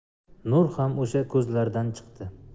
nur xam usha ko'zlardan chikdi